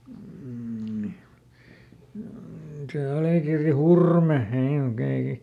niin mm se Alikirri Hurme he oli oikein